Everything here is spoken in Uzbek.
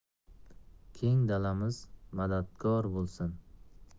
keng dalamiz madadkor bo'lsin